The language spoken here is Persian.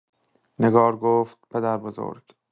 نگار گفت: «پدربزرگ!»